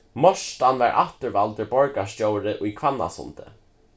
mortan varð afturvaldur borgarstjóri í hvannasundi